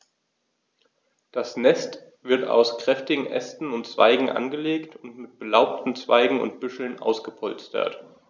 Das Nest wird aus kräftigen Ästen und Zweigen angelegt und mit belaubten Zweigen und Büscheln ausgepolstert.